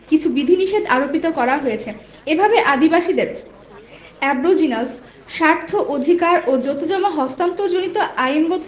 কিছু বিধিনিষেধ আরোপিত করা হয়েছে এভাবে আদিবাসীদের Aboriginals স্বার্থ অধিকার ও জোতজমা হস্তান্তরজনিত আইনগত